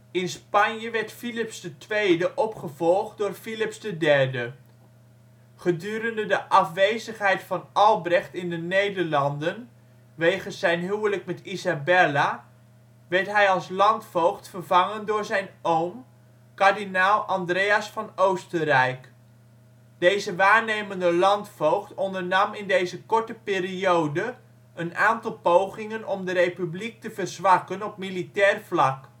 In Spanje werd Filips II opgevolgd door Filips III. Gedurende de afwezigheid van Albrecht in de Nederlanden, wegens zijn huwelijk met Isabella, werd hij als landvoogd vervangen door zijn oom, kardinaal Andreas van Oostenrijk. Deze waarnemende landvoogd ondernam in deze korte periode een aantal pogingen om de Republiek te verzwakken op militair vlak